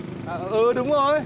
à ừ đúng rồi